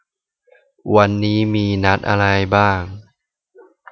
วันนี้มีนัดอะไรบ้าง